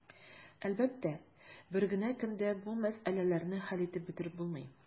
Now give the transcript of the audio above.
Әлбәттә, бер көндә генә бу мәсьәләләрне хәл итеп бетереп булмый.